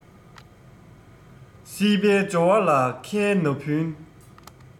སྲིད པའི འབྱོར བ ལ ཁའི ན བུན